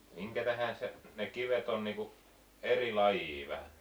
minkä tähden se ne kivet on niin kuin eri lajia vähän